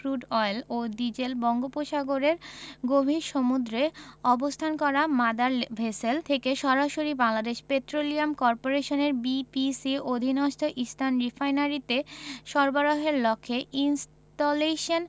crude oil ও diesel বঙ্গোপসাগরের গভীর সমুদ্রে অবস্থান করা মাদার ভেসেল থেকে সরাসরি বাংলাদেশ পেট্রোলিয়াম করপোরেশনের বিপিসি অধীনস্থ ইস্টার্ন রিফাইনারিতে সরবরাহের লক্ষ্যে ইন্সটলেশন